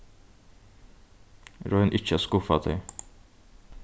royn ikki at skuffa tey